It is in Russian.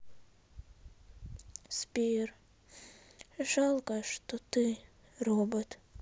сбер жалко что ты робот